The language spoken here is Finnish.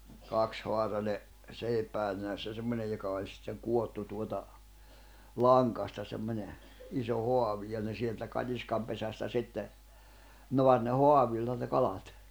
kaksihaarainen seipään nenässä semmoinen joka oli sitten kudottu tuota langasta semmoinen iso haavi ja ne sieltä katiskan pesästä sitten naari ne haavilla ne kalat